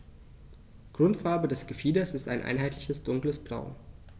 Grundfarbe des Gefieders ist ein einheitliches dunkles Braun.